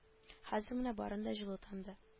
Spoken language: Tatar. Хәзер менә барын да җылытам да